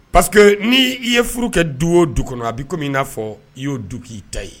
Parce que ni i ye furu kɛ don o du kɔnɔ a bɛ komi i n'a fɔ i y' du k'i ta ye